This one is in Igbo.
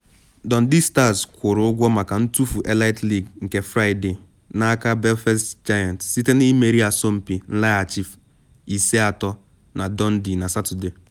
Dundee Stars kwụrụ ụgwọ maka ntufu Elite League nke Fraịde n’aka Belfast Giants site na imeri asọmpi nlaghachi 5-3 na Dundee na Satọde.